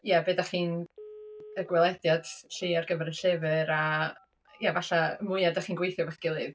Ia be dach chi'n... Y gwelediad 'lly ar gyfer y llyfr a, ia falle mwya dach chi'n gweithio eich gilydd...